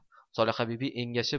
solihabibi engashib